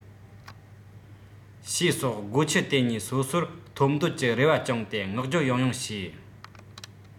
ཞེས སོགས སྒོ ཁྱི དེ གཉིས སོ སོར འཐོབ འདོད ཀྱི རེ བ བཅངས ཏེ བསྔགས བརྗོད ཡང ཡང བྱས